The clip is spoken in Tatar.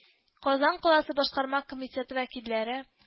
Казан каласы Башкарма комитеты вәкилләре